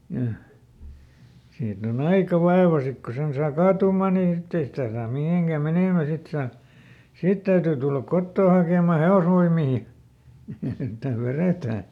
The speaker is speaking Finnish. ja siitä on aika vaiva sitten kun sen saa kaatumaan niin sitten ei sitä saa mihinkään menemään sitten saa sitten täytyy tulla kotoa hakemaan hevosvoimia että vedetään